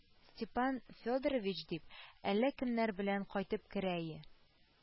Степан Федорович, дип, әллә кемнәр белән кайтып керә ие